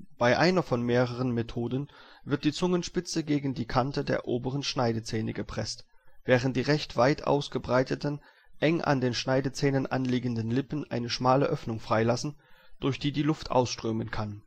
Bei einer von mehreren Methoden wird die Zungenspitze gegen die Kante der oberen Schneidezähne gepresst, während die recht weit ausgebreiteten, eng an den Schneidezähnen anliegenden Lippen eine schmale Öffnung freilassen, durch die die Luft ausströmen kann